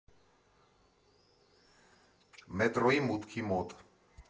Մետրոյի մուտքի մոտ։